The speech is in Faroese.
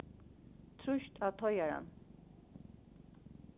trýst á teigaran